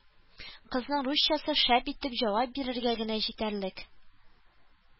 Кызның русчасы шәп итеп җавап бирергә генә җитәрлек